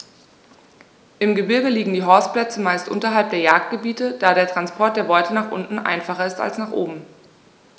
Im Gebirge liegen die Horstplätze meist unterhalb der Jagdgebiete, da der Transport der Beute nach unten einfacher ist als nach oben.